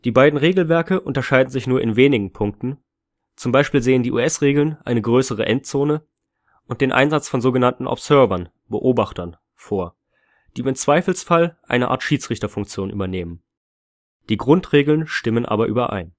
beiden Regelwerke unterscheiden sich nur in wenigen Punkten, zum Beispiel sehen die US-Regeln eine größere Endzone und den Einsatz von sogenannten Observern (Beobachtern) vor, die im Zweifelsfall eine Art Schiedsrichterfunktion übernehmen. Die Grundregeln stimmen aber überein